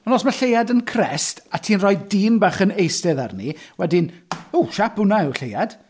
Ond os mae'r Lleuad yn crest a ti'n rhoi dyn bach yn eistedd arni, wedyn "W, siap hwnna yw'r Lleuad!"